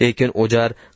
lekin o'jar